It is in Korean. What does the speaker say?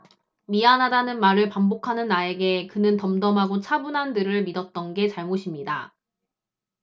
미안하다는 말을 반복하는 나에게 그는 덤덤하고 차분한 들을 믿었던 게 잘못입니다